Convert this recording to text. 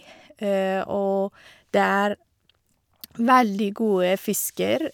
Og det er veldig gode fisker.